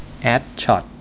แอดช็อต